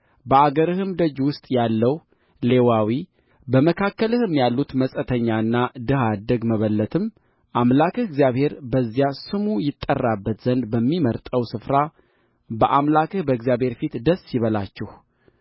በአገርህም ደጅ ውስጥ ያለው ሌዋዊ በመካከልህም ያሉት መጻተኛና ድሀ አደግ መበለትም አምላክህ እግዚአብሔር በዚያ ስሙ ይጠራበት ዘንድ በሚመርጠው ስፍራ በአምላክህ በእግዚአብሔር ፊት ደስ ይበላችሁ